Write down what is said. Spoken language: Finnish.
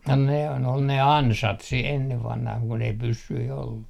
no nehän oli ne ansat sitten ennen vanhaan kun ei pyssyjä ollut